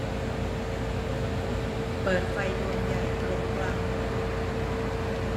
เปิดไฟดวงใหญ่ตรงกลางห้อง